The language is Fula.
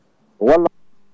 walla